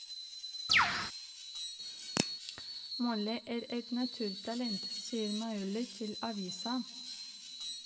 Molly er et naturtalent , sier Maioli til avisa.